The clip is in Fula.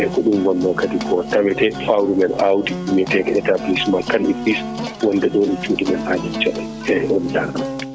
eyyi ko ɗum wonno kadi ko tawete fawru men awdi ndi biyetedi établissement Kane et fils wonde ɗo ɗo cuuɗi men Agname Thiodaye eyyi on jarama